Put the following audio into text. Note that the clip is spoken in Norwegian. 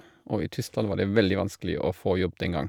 Og i Tyskland var det veldig vanskelig å få jobb den gang.